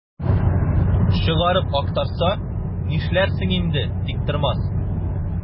Чыгарып актарса, нишләрсең инде, Тиктормас?